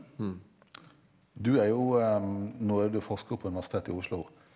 du er jo nå er du jo forsker på Universitet i Oslo.